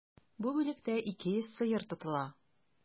Бу бүлектә 200 сыер тотыла.